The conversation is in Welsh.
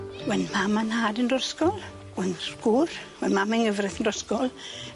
Wen mam a'n nhad yn drysgol. Wen s- gŵr. Wen mam yn ngyfreth yn drysgol.